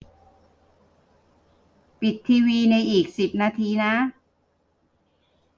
ปิดทีวีในอีกสิบนาทีนะ